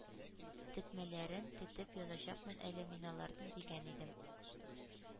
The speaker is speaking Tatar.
Тетмәләрен тетеп язачакмын әле мин аларның“, — дигән идем.